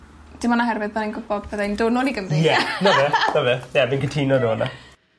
dim on' o herwydd 'ddai'n gwbod byddai'n do' nôl i Gymru. Ie 'na fe 'na fe. Ie fi'n cytuno 'da wnna.